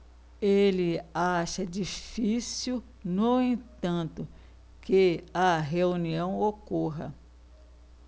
ele acha difícil no entanto que a reunião ocorra